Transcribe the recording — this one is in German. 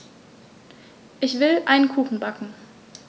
Ich will einen Kuchen backen.